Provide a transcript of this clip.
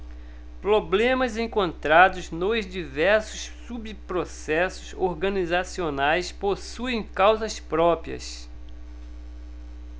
problemas encontrados nos diversos subprocessos organizacionais possuem causas próprias